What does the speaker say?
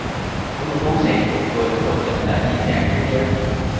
núi phú sĩ vừa được công nhận là di sản thế giới